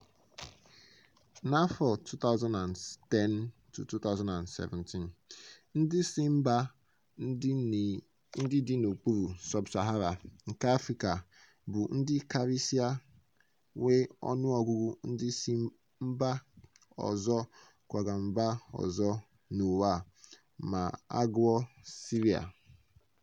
N'afọ 2010-2017, ndị si mba ndị dị n'okpuru sub-Sahara nke Afrịka bụ ndị karịsịa nwee ọnụọgụgụ ndị si mba ọzọ kwaga mba ọzọ n'ụwa ma a gụọ Syria.